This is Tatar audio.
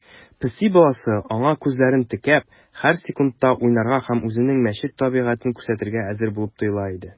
Песи баласы, аңа күзләрен текәп, һәр секундта уйнарга һәм үзенең мәче табигатен күрсәтергә әзер булып тоела иде.